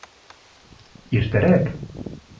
Иртәрәк!